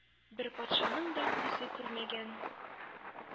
Бер патшаның да күзе күрмәгән,